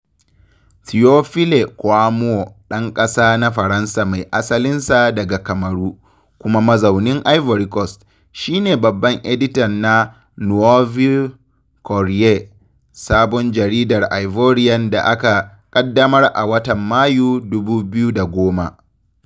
Théophile Kouamouo, ɗan ƙasa na Faransa mai asalinsa daga Kamaru kuma mazaunin Ivory Coast, shine Babban Editan Le Nouveau Courrier, sabon jaridar Ivorian da aka ƙaddamar a watan Mayu 2010.